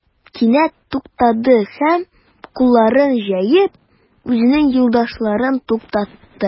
Кинәт туктады һәм, кулларын җәеп, үзенең юлдашларын туктатты.